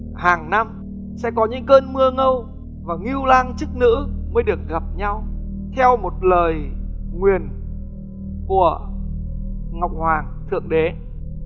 hàng năm sẽ có những cơn mưa ngâu và ngưu lang chức nữ mới được gặp nhau theo một lời nguyền của ngọc hoàng thượng đế